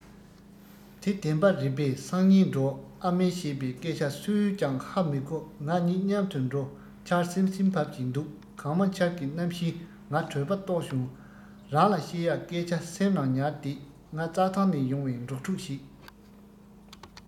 དེ འདེན པ རེད པས སང ཉིན འགྲོ ཨ མས བཤད པའི སྐད ཆ སུས ཀྱང ཧ མི གོ ང ཉིད མཉམ དུ འགྲོ ཆར སིམ སིམ བབས བཞིན འདུག གངས མ ཆར གི གནམ གཤིས ང གྲོད པ ལྟོགས བྱུང རང ལ བཤད ཡ སྐད ཆ སེམས ནང ཉར བསྡད ང རྩ ཐང ནས ཡོང བའི འབྲོག ཕྲུག ཞིག